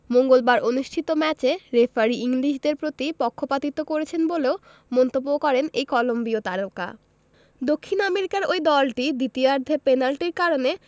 মঙ্গলবার অনুষ্ঠিত ম্যাচে রেফারি ইংলিশদের প্রতি পক্ষিপাতিত্ব করেছেন বলেও মন্তব্য করেন এই কলম্বিয় তারকা দক্ষিণ আমেরিকার ওই দলটি দ্বিতীয়ার্ধের পেনাল্টির কারণে